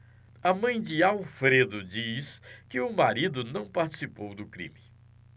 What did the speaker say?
a mãe de alfredo diz que o marido não participou do crime